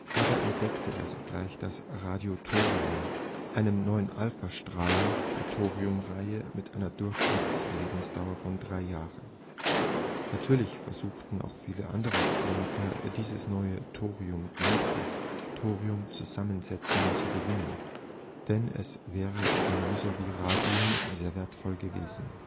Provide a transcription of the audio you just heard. Dabei entdeckte er sogleich das „ Radiothorium “, einen neuen Alpha-Strahler der Thoriumreihe mit einer Durchschnittslebensdauer von 3 Jahren. Natürlich versuchten auch viele andere Chemiker dieses neue Thoriumglied aus Thoriumzusammensetzungen zu gewinnen, denn es wäre genau so wie Radium sehr wertvoll gewesen